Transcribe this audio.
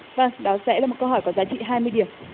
vâng đó sẽ là một câu hỏi có giá trị hai mươi điểm